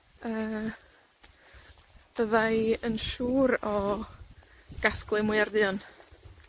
yy, bydda i yn siŵr o gasglu mwyar dduon,